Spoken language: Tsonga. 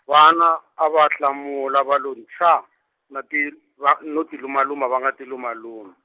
vana, a va hlamula va lo nchaa, na ti, va no tilumaluma va nga tilumalumi.